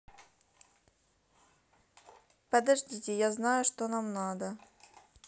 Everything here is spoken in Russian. подождите я знаю что нам надо